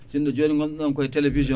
sinno joni gonno ɗon koye télévision